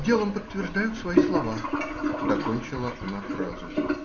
- Делом подтверждают свои слова, - докончила она фразу.